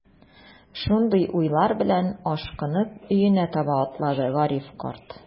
Шундый уйлар белән, ашкынып өенә таба атлады Гариф карт.